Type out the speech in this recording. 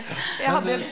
men du.